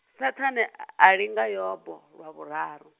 Saṱhane a linga Yobo, lwa vhuraru.